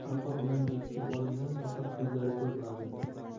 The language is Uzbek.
uning yuzi qora niqob bilan bekitib olingan faqat ko'zlari ko'rinadi